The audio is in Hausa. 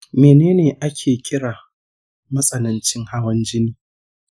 menene ake ƙira matsanancin hawan jini?